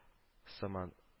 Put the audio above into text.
Сыман